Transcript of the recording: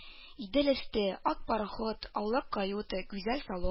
Идел өсте, ак пароход, аулак каюта, гүзәл салон